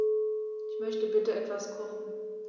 Ich möchte bitte etwas kochen.